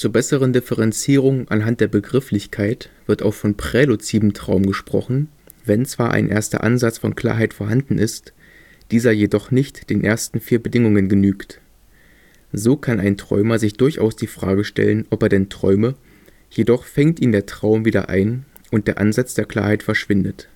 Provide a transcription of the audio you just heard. besseren Differenzierung anhand der Begrifflichkeit wird auch von prä-luzidem Traum gesprochen, wenn zwar ein erster Ansatz von Klarheit vorhanden ist, dieser jedoch nicht den ersten vier Bedingungen genügt. So kann ein Träumer sich durchaus die Frage stellen, ob er denn träume, jedoch „ fängt “ihn der Traum wieder ein und der Ansatz der Klarheit verschwindet